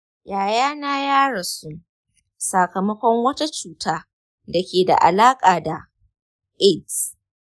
yayana ya rasu sakamakon wata cuta da ke da alaƙa da aids.